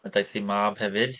A daeth ei mab hefyd.